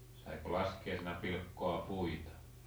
saiko laskiaisena pilkkoa puita